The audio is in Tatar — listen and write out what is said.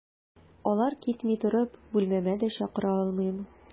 Алар китми торып, бүлмәмә дә чакыра алмыйм.